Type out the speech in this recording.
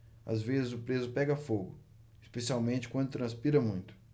às vezes o preso pega fogo especialmente quando transpira muito